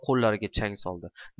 qo'llariga chang soldi